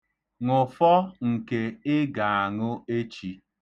Ṅụfọ nke ị ga-aṅụ echi.